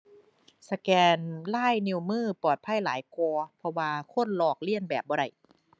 สแกนลายนิ้วมือปลอดภัยหลายกว่า เพราะว่าคนลอกเลียนแบบบ่ได้